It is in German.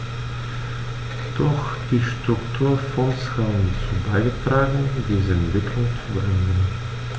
Doch die Strukturfonds haben dazu beigetragen, diese Entwicklung zu bremsen.